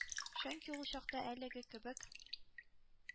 Чөнки ул чакта әлеге кебек